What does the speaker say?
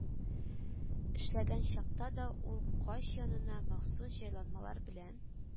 Эшләгән чакта да ул кач янына махсус җайланмалар белән